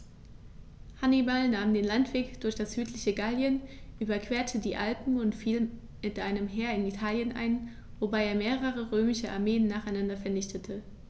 Hannibal nahm den Landweg durch das südliche Gallien, überquerte die Alpen und fiel mit einem Heer in Italien ein, wobei er mehrere römische Armeen nacheinander vernichtete.